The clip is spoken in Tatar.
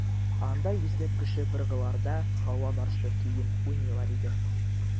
Анда йөзләп кеше быргыларда «Һава маршы» көен уйныйлар иде.